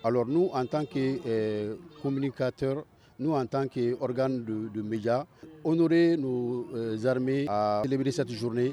A n'u an t kɔnmbili kate n'u an tan kɛ donbeja o n'ore n' zarimeeleb sati surunnen